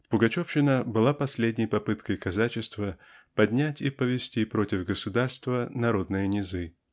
Пугачевщина была последней попыткой казачества поднять и повести против государства народные низы.